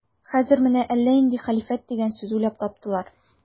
Хәзер менә әллә нинди хәлифәт дигән сүз уйлап таптылар.